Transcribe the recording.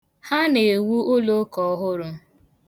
Ha na-ewu ụlụụka ọhụrụ.